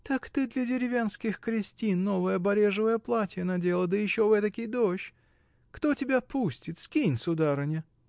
— Так ты для деревенских крестин новое барежевое платье надела, да еще в этакий дождь! Кто тебя пустит? скинь, сударыня!